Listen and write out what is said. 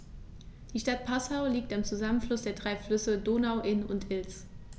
Die Stadt Passau liegt am Zusammenfluss der drei Flüsse Donau, Inn und Ilz.